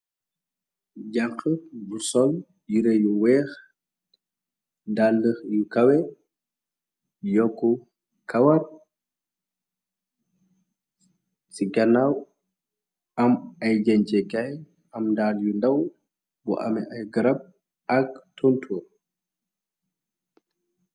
janx bu sol yire yu weex dall yu kawe yokku kawaat ci ganaaw am ay jënce kaay am daal yu ndaw bu ame ay garab ak tuntur